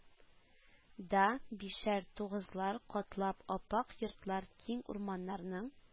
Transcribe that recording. Да бишәр, тугызар катлы ап-ак йортлар, киң урамнарның